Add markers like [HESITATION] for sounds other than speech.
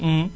[HESITATION]